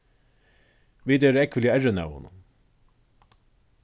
vit eru ógvuliga errin av honum